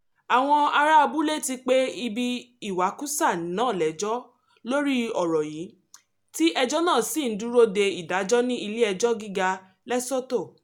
Àwọn ará abúlé ti pe ibi ìwakùsà náà lẹ́jọ́ lórí ọ̀rọ̀ yìí, tí ẹjọ́ náà sì ń dúró de ìdájọ́ ní Ilé-ẹjọ́ Gíga Lesotho.